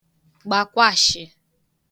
gbakwàshị